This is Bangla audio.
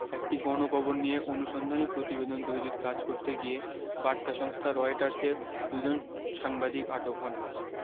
একটি গণকবর নিয়ে অনুসন্ধানী প্রতিবেদন তৈরির কাজ করতে গিয়ে বার্তা সংস্থা রয়টার্সের দুজন সাংবাদিক আটক হন